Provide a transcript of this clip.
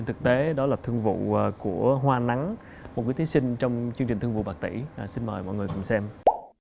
thực tế đó là thương vụ và của hoa nắng một thí sinh trong chương trình thương vụ bạc tỷ rồi xin mời mọi người cùng xem